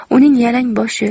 uning yalang boshi